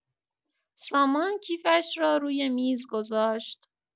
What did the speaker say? سامان کیفش را روی میز گذاشت.